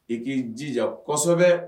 I k'i jija kosɛbɛ kosɛbɛ